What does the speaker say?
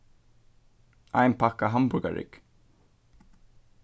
ein pakka hamburgarrygg